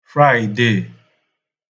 Fraịdè